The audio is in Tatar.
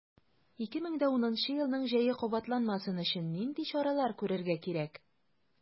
2010 елның җәе кабатланмасын өчен нинди чаралар күрергә кирәк?